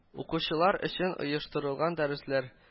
Укучылар өчен оештырылган дәресләр